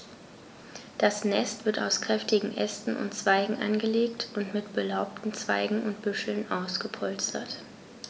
Das Nest wird aus kräftigen Ästen und Zweigen angelegt und mit belaubten Zweigen und Büscheln ausgepolstert.